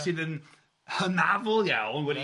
...sydd yn hynafol iawn... Ia ia.